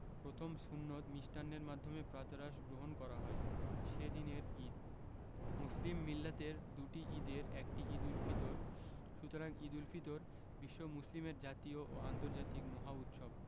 প্রথম সুন্নত মিষ্টান্নের মাধ্যমে প্রাতরাশ গ্রহণ করা হয় সে দিনের ঈদ মুসলিম মিল্লাতের দুটি ঈদের একটি ঈদুল ফিতর সুতরাং ঈদুল ফিতর বিশ্ব মুসলিমের জাতীয় ও আন্তর্জাতিক মহা উৎসব